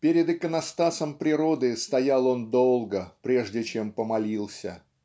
Перед иконостасом природы стоял он долго, прежде чем помолился.